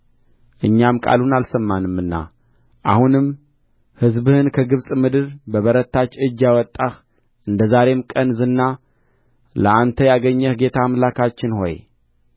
እኛም ቃሉን አልሰማንምና አሁንም ሕዝብህን ከግብጽ ምድር በበረታች እጅ ያወጣህ እንደ ዛሬም ቀን ዝና ለአንተ ያገኘህ ጌታ አምላካችን ሆይ